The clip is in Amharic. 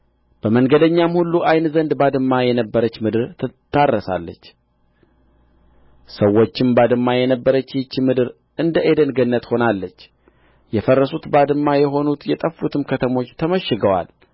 በመንገደኛም ሁሉ ዓይን ዘንድ ባድማ የነበረች ምድር ትታረሳለች ሰዎችም ባድማ የነበረች ይህች ምድር እንደ ዔድን ገነት ሆናለች የፈረሱት ባድማ የሆኑት የጠፉትም ከተሞች ተመሽገዋል